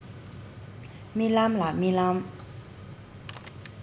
རྨི ལམ ཡ རྨི ལམ